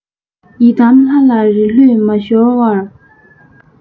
ཡི དམ ལྷ ལ རེ ལྟོས མ ཤོར བར